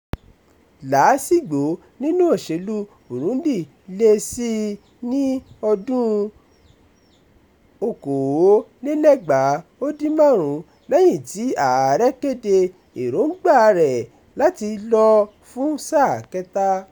...Làásìgbò nínú òṣèlú Burundi le sí i ní ọdún 2015 lẹ́yìn tí ààrẹ́ kéde èròńgbàa rẹ̀ láti lọ fún sáà kẹ́ta.